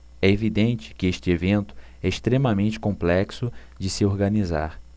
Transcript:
é evidente que este evento é extremamente complexo de se organizar